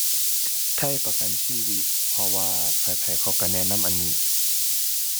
ไทยประกันชีวิต เพราะว่าไผไผเขาก็แนะนำอันนี้